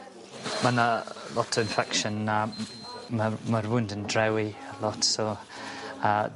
Ma' 'na lot o infection a m- ma'r wound yn drewi lot so a